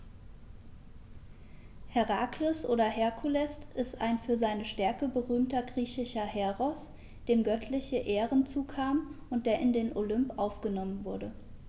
Herakles oder Herkules ist ein für seine Stärke berühmter griechischer Heros, dem göttliche Ehren zukamen und der in den Olymp aufgenommen wurde.